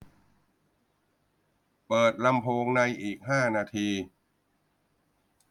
เปิดลำโพงในอีกห้านาที